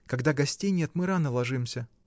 когда гостей нет, мы рано ложимся.